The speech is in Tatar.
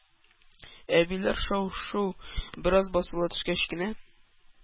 Әбиләр шау-шуы бераз басыла төшкәч кенә,